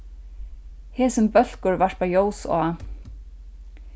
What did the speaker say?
hesin bólkur varpar ljós á